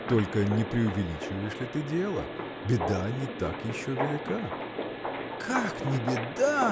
только не преувеличиваешь ли ты дела? Беда не так еще велика. – Как не беда!